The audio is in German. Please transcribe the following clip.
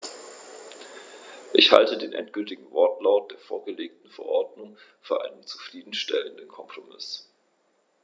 Ich halte den endgültigen Wortlaut der vorgelegten Verordnung für einen zufrieden stellenden Kompromiss.